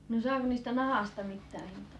no saako niistä nahasta mitään hintaa